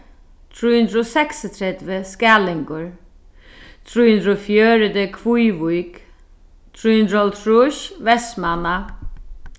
trý hundrað og seksogtretivu skælingur trý hundrað og fjøruti kvívík trý hundrað og hálvtrýss vestmanna